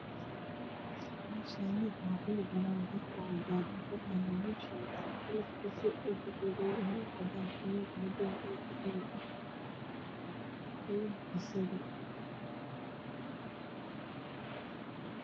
Me Shani wa dhul banan ah o cadan ah waxa yalo shati kalar kisu kakoban yahay cadaan iya madow iya dahadi iya basali